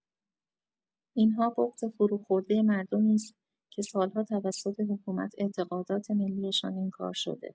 این‌ها بغض فروخورده مردمی است که سال‌ها توسط حکومت اعتقادات ملی‌شان انکار شده!